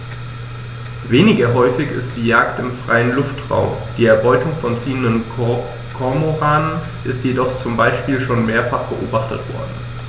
Weniger häufig ist die Jagd im freien Luftraum; die Erbeutung von ziehenden Kormoranen ist jedoch zum Beispiel schon mehrfach beobachtet worden.